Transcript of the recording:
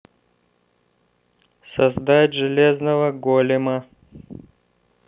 создать железного голема